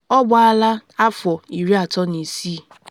Ọ gbaala afọ 36.